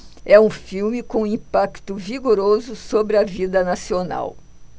é um filme com um impacto vigoroso sobre a vida nacional